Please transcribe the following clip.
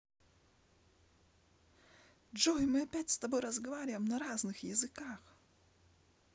джой мы опять с тобой разговариваем на разных языках